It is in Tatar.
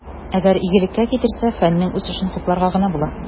Әгәр игелеккә китерсә, фәннең үсешен хупларга гына була.